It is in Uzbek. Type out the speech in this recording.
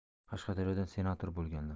qashqadaryodan senator bo'lganlar